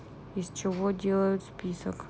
из чего делают список